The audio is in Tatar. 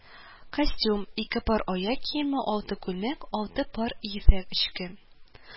Костюм, ике пар аяк киеме, алты күлмәк, алты пар ефәк эчке